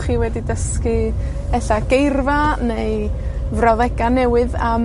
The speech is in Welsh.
chi wedi dysgu, ella geirfa neu, frawddega' newydd am